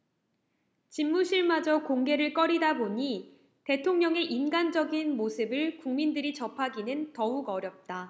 집무실마저 공개를 꺼리다 보니 대통령의 인간적인 모습을 국민들이 접하기는 더욱 어렵다